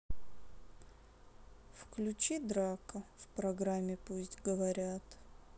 включи драка в программе пусть говорят